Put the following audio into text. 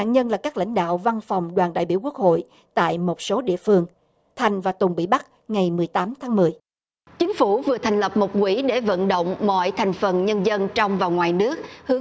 nạn nhân là các lãnh đạo văn phòng đoàn đại biểu quốc hội tại một số địa phương thành và tùng bị bắt ngày mười tám tháng mười chính phủ vừa thành lập một quỹ để vận động mọi thành phần nhân dân trong và ngoài nước hướng